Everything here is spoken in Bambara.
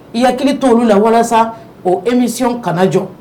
I hakili t' olu la walasa' emisi kanajɔ